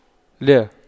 لا